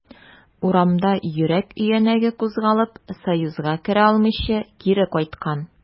Урамда йөрәк өянәге кузгалып, союзга керә алмыйча, кире кайткан.